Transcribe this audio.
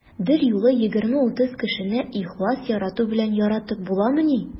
Берьюлы 20-30 кешене ихлас ярату белән яратып буламыни?